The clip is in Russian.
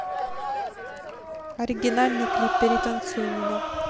оригинальный клип перетанцуй меня